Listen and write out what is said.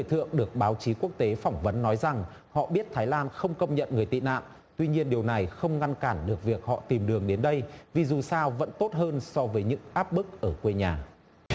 thượng được báo chí quốc tế phỏng vấn nói rằng họ biết thái lan không công nhận người tị nạn tuy nhiên điều này không ngăn cản được việc họ tìm đường đến đây vì dù sao vẫn tốt hơn so với những áp bức ở quê nhà